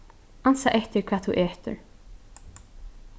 ansa eftir hvat tú etur